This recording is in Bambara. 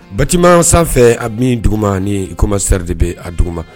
Batima sanfɛ a bɛ dugu ma ni ikomasɛri de bɛ a dugu ma